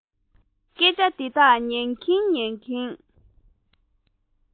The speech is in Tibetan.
སྐད ཆ འདི དག ཉན གྱིན ཉན གྱིན